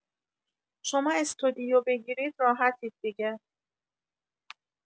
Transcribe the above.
شما استودیو بگیرید راحتید دیگه